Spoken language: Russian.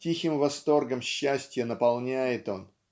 тихим восторгом счастья наполняет он